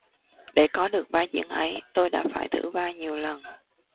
để có được vai diễn ấy tôi đã phải thử vai nhiều lần